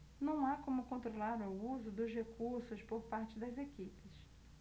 não há como controlar o uso dos recursos por parte das equipes